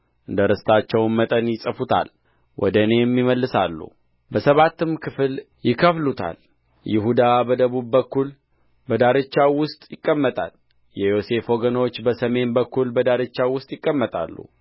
እንደ ርስታቸውም መጠን ይጽፉታል ወደ እኔም ይመለሳሉ በሰባትም ክፍል ይከፍሉታል ይሁዳ በደቡብ በኩል በዳርቻው ውስጥ ይቀመጣል የዮሴፍ ወገኖች በሰሜን በኩል በዳርቻው ውስጥ ይቀመጣሉ